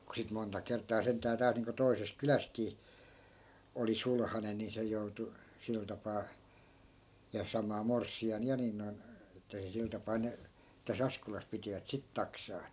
kun sitten monta kertaa sentään täältä niin kuin toisesta kylästäkin oli sulhanen niin se joutui sillä tapaa ja samaa morsian ja niin noin että se sillä tapaa ne tässä Askolassa pitivät sitä taksaa että